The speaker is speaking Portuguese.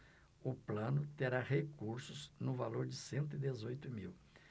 o plano terá recursos no valor de cento e dezoito mil